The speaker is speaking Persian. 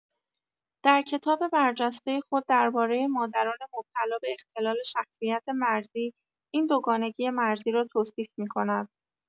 در کتاب برجسته خود درباره مادران مبتلا به اختلال شخصیت مرزی، این دوگانگی مرزی را توصیف می‌کند.